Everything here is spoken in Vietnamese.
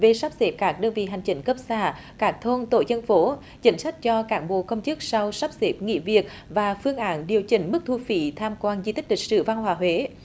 về sắp xếp các đơn vị hành chính cấp xã các thôn tổ dân phố chính sách cho cán bộ công chức sau sắp xếp nghỉ việc và phương án điều chỉnh mức thu phí tham quan di tích lịch sử văn hóa huế